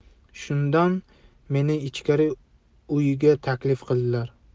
shunda meni ichkari uyga taklif qildilar